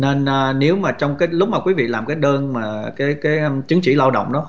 nên là nếu mà trong cái lúc mà quý vị làm cái đơn mà cái cái chứng chỉ lao động nó